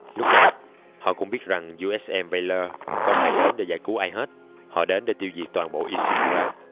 lúc này họ cũng biết rằng usm valor không hề đến để giải cứu ai hết họ đến đến để tiêu diệt toàn bộ ishimura